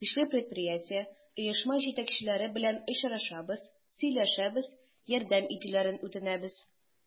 Көчле предприятие, оешма җитәкчеләре белән очрашабыз, сөйләшәбез, ярдәм итүләрен үтенәбез.